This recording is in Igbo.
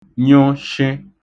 nyụ shị